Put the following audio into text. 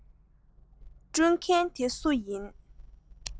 བསྐྲུན མཁན དེ སུ ཡིན